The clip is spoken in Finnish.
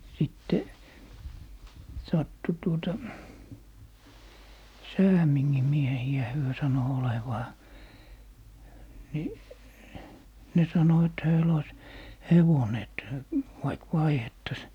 sitten sattui tuota Säämingin miehiä he sanoi olevansa niin ne sanoi että heillä olisi hevonen että vaikka vaihdettaisiin